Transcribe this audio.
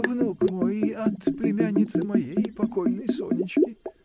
— Внук мой, от племянницы моей, покойной Сонички!